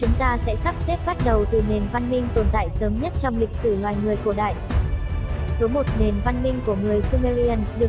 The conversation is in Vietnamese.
chúng ta sẽ sắp xếp bắt đầu từ nền văn minh tồn tại sớm nhất trong lịch sử loài người cổ đại số nền văn minh của người sumerian